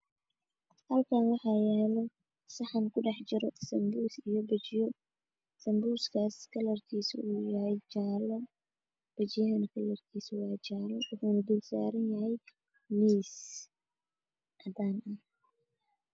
Halkaan waxaa yaalo saxan ay ku jiraan sambuus iyo baji sambuuska ka leerkiisu waa jaalo bajiiga ka leerkiisu wajaale